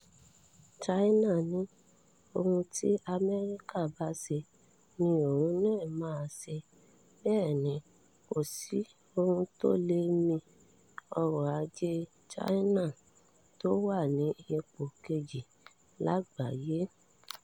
China ni ohun tí Amẹ́ríkà bá ṣe ni òun náà máa ṣe e. Bẹ́ẹ̀ ni kò sí ohun tó lè mi ọ̀rọ̀-ajé China tó wà ní ipò kejì lágbàáyé.